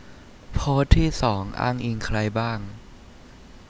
โพสต์ที่สองอ้างอิงใครบ้าง